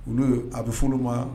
Olu a bɛ fɔlɔ ma